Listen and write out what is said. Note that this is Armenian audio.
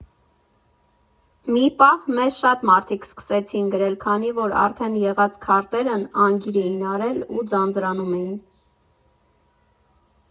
Մի պահ մեզ շատ մարդիկ սկսեցին գրել, քանի որ արդեն եղած քարտերն անգիր էին արել ու ձանձրանում էին։